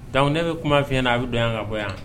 Dɔnku ne bɛ kuma fi na a bɛ dɔn yan ka bɔ yan